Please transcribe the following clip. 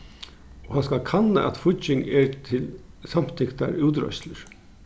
og hann skal kanna at fígging er til samtyktar útreiðslur